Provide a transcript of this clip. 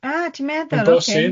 Ah, ti meddwl... O bosib.